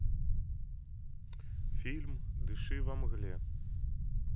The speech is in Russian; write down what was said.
фильм дыши во мгле